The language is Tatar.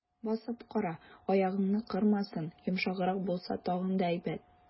Басып кара, аягыңны кырмасын, йомшаграк булса, тагын да әйбәт.